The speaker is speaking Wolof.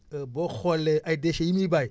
boo xoolee ay déchets yi muy bàyyi